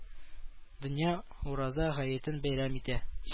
Дөнья Ураза гаетен бәйрәм итә